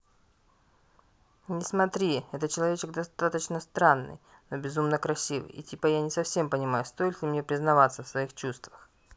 не смотри этот человечек достаточно странный но безумно красивый и типа я не совсем понимаю стоит ли мне признаваться в своих чувствах